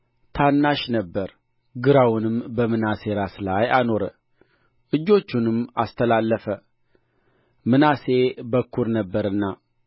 ታናሽ ነበረ ግራውንም በምናሴ ራስ ላይ አኖረ እጆቹንም አስተላለፈ ምናሴ በኵር ነበርና